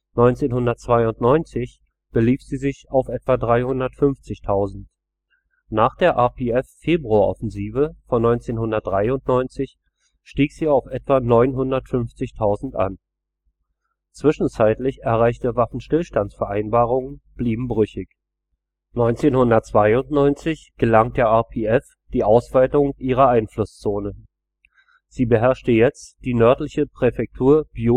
1992 belief sie sich auf etwa 350.000, nach der RPF-Februaroffensive von 1993 stieg sie auf etwa 950.000 an. Zwischenzeitlich erreichte Waffenstillstandsvereinbarungen blieben brüchig. 1992 gelang der RPF die Ausweitung ihrer Einflusszone. Sie beherrschte jetzt die nördliche Präfektur Byumba